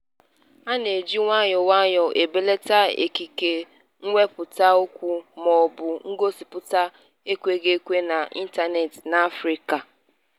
A na-eji nwayọọ nwayọọ ebelata ikike nkwupụta okwu mọọbụ ngosipụta ekweghị ekwe na ịntaneetị n'Afrịka.